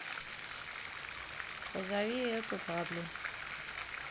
позови эту падлу